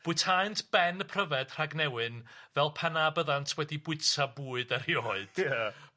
Bwytaent ben y pryfed rhag newyn fel pa na byddant wedi bwyta bwyd erioed. Ia.